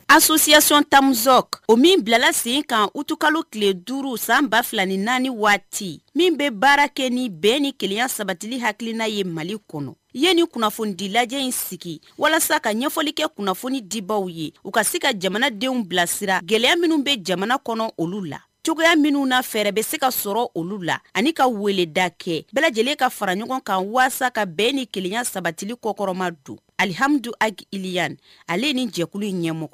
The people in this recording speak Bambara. A susiyacon ta o min bilala sen kan utuka tile duuru san 20 ni naani waati min bɛ baara kɛ ni bɛɛ ni kelen sabati hakilikilina ye mali kɔnɔ yen ni kunnafonidi lajɛ in sigi walasa ka ɲɛfɔli kɛ kunnafoni dibaw ye u ka se ka jamanadenw bilasira gɛlɛya minnu bɛ jamana kɔnɔ olu la cogoyaya minnu naa fɛɛrɛ bɛ se ka sɔrɔ olu la ani ka weleda kɛ bɛɛ lajɛlen ka fara ɲɔgɔn kan walasa ka bɛn ni kelenya sabati kɔ kɔrɔma don alihamidu akieya ale ni jɛkulu in ɲɛmɔgɔ